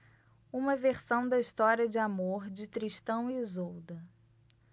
uma versão da história de amor de tristão e isolda